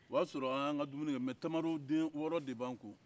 o y'a sɔrɔ an y'a ka dumuni kɛ mɛ tamaroden wɔɔrɔ de b'an kun